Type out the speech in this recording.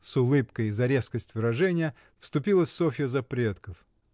— с улыбкой за резкость выражения вступилась Софья за предков.